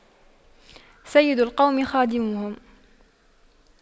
سيد القوم خادمهم